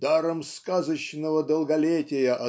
даром сказочного долголетия